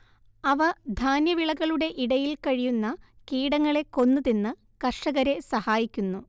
അവ ധാന്യവിളകളുടെ ഇടയിൽ കഴിയുന്ന കീടങ്ങളെ കൊന്ന് തിന്ന് കർഷകരെ സഹായിക്കുന്നു